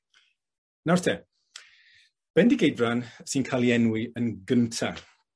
Nawr te. Bendigeidfran sy'n ca'l 'i enwi yn gynta